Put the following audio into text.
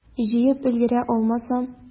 Җыеп өлгерә алмасам?